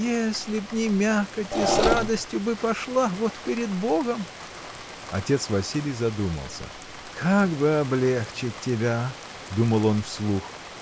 — Если б не мякоти, с радостью бы пошла, вот перед Богом! Отец Василий задумался. — Как бы облегчить тебя? — думал он вслух.